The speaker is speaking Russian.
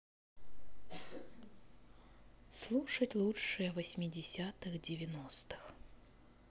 слушать лучшее восьмидесятых девяностых